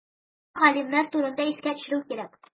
Монда галимнәр турында искә төшерү кирәк.